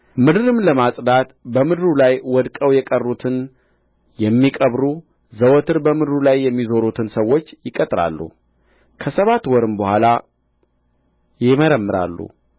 ምድርንም ለማጽዳት በምድሩ ላይ ወድቀው የቀሩትን የሚቀብሩ ዘወትር በምድሩ ላይ የሚዞሩትን ሰዎች ይቀጥራሉ ከሰባት ወርም በኋላ ይመረምራሉ